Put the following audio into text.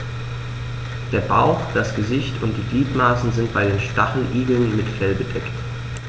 Der Bauch, das Gesicht und die Gliedmaßen sind bei den Stacheligeln mit Fell bedeckt.